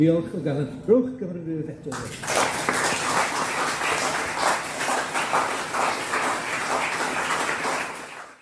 Diolch o galon. Rowch gymeradwyeth eto i fe.